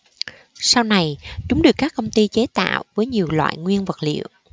sau này chúng được các công ty chế tạo với nhiều loại nguyên vật liệu